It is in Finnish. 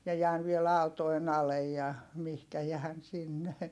minä jään vielä autojen alle ja mihin jään sinne